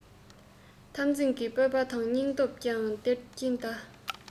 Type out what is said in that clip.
འཐབ འཛིང གི སྤོབས པ དང སྙིང སྟོབས ཀྱང སྟེར གྱིན གདའ